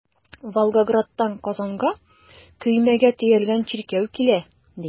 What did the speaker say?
Волгоградтан Казанга көймәгә төялгән чиркәү килә, ди.